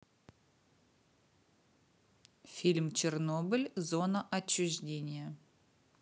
фильм чернобыль зона отчуждения